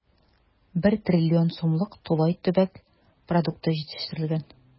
1 трлн сумлык тулай төбәк продукты җитештерелгән.